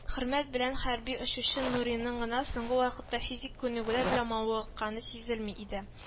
Хөрмәт белән хәрби очучы Нуриның гына соңгы вакытта физик күнегүләр белән мавыкканы сизелми иде